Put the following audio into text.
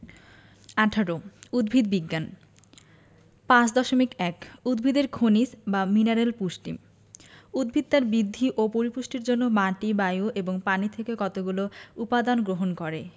১৮ উদ্ভিদ বিজ্ঞান 5.1 উদ্ভিদের খনিজ বা মিনারেল পুষ্টি উদ্ভিদ তার বৃদ্ধি ও পরিপুষ্টির জন্য মাটি বায়ু এবং পানি থেকে কতগুলো উপদান গ্রহণ করে